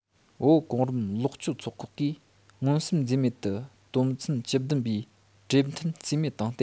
བོད གོང རིམ ལོག སྤྱོད ཚོགས ཁག གིས མངོན སུམ འཛེམ མེད དུ དོན ཚན བཅུ བདུན པའི གྲོས མཐུན རྩིས མེད བཏང སྟེ